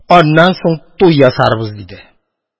Аннан соң туй ясарбыз, – диде.